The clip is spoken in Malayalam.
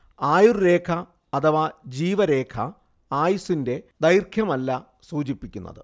ആയുർരേഖ അഥവാ ജീവരേഖ ആയുസ്സിന്റെ ദൈർഘ്യമല്ല സൂചിപ്പിക്കുന്നത്